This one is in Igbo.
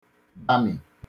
bami